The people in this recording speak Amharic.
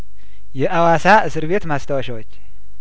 የአዋሳ እስር ቤት ማስታወሻዎች